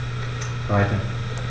Weiter.